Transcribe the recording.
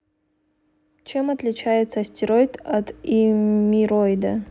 чем отличается астероид от им мироида